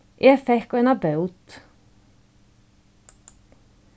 eg fekk eina bót